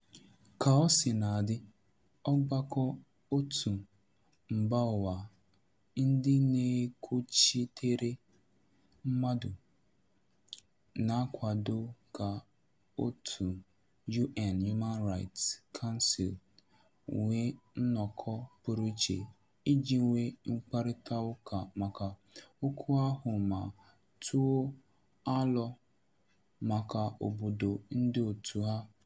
Kaosinadị, ọgbakọ òtù mbaụwa ndị na-ekwuchitere mmadụ, na-akwado ka òtù UN Human Rights Council nwee nnọkọ pụrụ iche iji nwee mkparịtaụka maka okwu ahụ ma tụọ alo maka obodo ndịòtù ha.